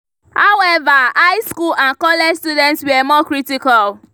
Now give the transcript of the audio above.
However, high school and college students were more critical.